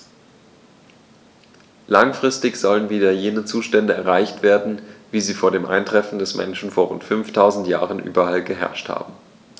Langfristig sollen wieder jene Zustände erreicht werden, wie sie vor dem Eintreffen des Menschen vor rund 5000 Jahren überall geherrscht haben.